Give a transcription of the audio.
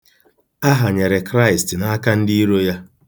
A hanyere Kraịst n'aka ndị iro ya.